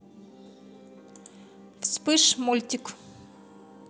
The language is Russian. вспыш мультик